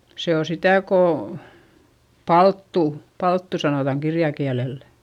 se on sitä kun palttua palttu sanotaan kirjakielellä